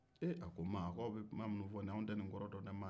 ee a ko ma aw bɛ kuma minnu fɔ nin anw tɛ nin kɔrɔ dɔn dɛ ma